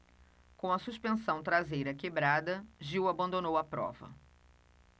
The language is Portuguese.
com a suspensão traseira quebrada gil abandonou a prova